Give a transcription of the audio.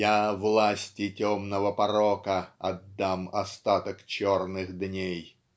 Я власти темного порока Отдам остаток черных дней.